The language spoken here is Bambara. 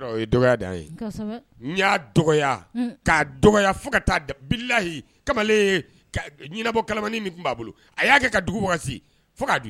La kamalenbɔmani min tun b'a bolo a'a kɛ ka dugu